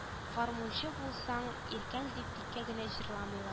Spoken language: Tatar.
Гармунчы булсан иркәң дип тиккә генә җырламыйла